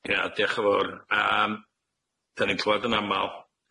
Ia, dioch yn fowr. Yym 'dan ni'n clwad yn amal